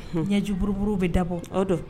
Ɲɛjiuruburu bɛ dabɔ o don